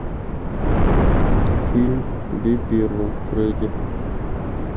фильм бей первым фредди